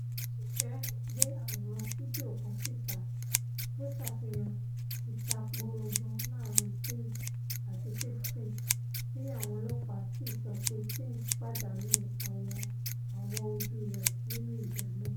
Àwọn òṣìṣẹ́ gbé àwòrán fídíò kan síta tó ṣàfihàn ìtàpórógan láàrin Sims àti Simpson, tí àwọn ọlọ́ọ̀pá sì sọ pé Sims pàdánù àwọn awò ojú rẹ̀ nínú ìjá náà.